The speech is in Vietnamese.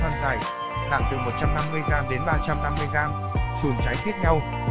chùm nho thon dài nặng từ g g chùm trái khít nhau